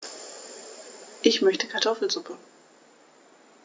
Ich möchte Kartoffelsuppe.